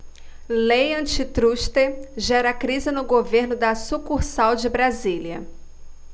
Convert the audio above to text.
lei antitruste gera crise no governo da sucursal de brasília